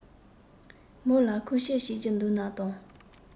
མོ ལ ཁུངས སྐྱེལ བྱེད རྒྱུ འདུག ན དང